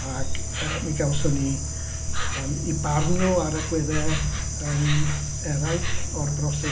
Ac yy mi gawson ni yym eu barn nhw ar egwyddau yym eraill o'r broses.